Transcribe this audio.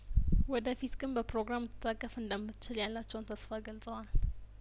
ወደፊት ግን በፕሮግራም ልት ታቀፍ እንደምትችል ያላቸውን ተስፋ ገልጸዋል